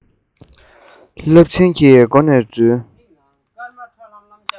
སློབ ཆེན གྱི སྒོ ནས འཛུལ